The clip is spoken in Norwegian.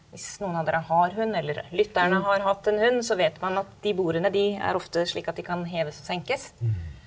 hvis noen av dere har hund eller lytterne har hatt en hund så vet man at de bordene de er ofte slik at de kan heves og senkes.